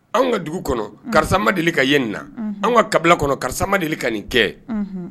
Anw ka dugu kɔnɔ karisa ma deli ka yen nin na,, unhun, anw ka kabila kɔnɔ karisa ma deli ka nin kɛ , unhun